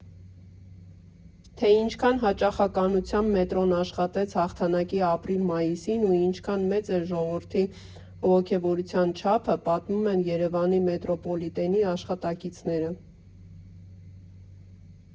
Թե ինչքան հաճախականությամբ մետրոն աշխատեց հաղթանակի ապրիլ֊մայիսին ու ինչքան մեծ էր ժողովրդի ոգևորության չափը, պատմում են Երևանի մետրոպոլիտենի աշխատակիցները։